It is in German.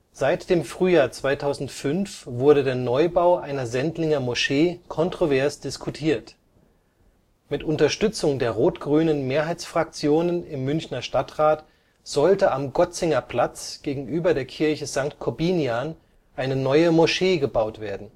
Seit dem Frühjahr 2005 wurde der Neubau einer Sendlinger Moschee kontrovers diskutiert: Mit Unterstützung der rot/grünen Mehrheitsfraktionen im Münchner Stadtrat sollte am Gotzinger Platz gegenüber der Kirche Sankt Korbinian eine neue Moschee gebaut werden